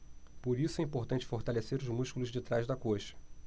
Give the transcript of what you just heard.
por isso é importante fortalecer os músculos de trás da coxa